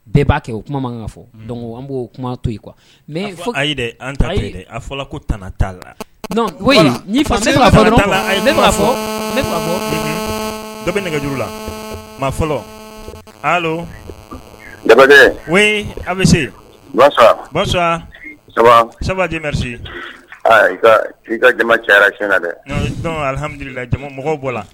Bɛɛ b'a kɛ o kuma man ka fɔ an b' o kuma to yen kuwa n fo an taa a fɔra ko t t' la fala ne fɔ ne dɔ bɛ nɛgɛj la ma fɔlɔ da an bɛ se ba ba saba dime ka jama cɛyara tiɲɛɲɛna dɛ alihamdulila jama mɔgɔ la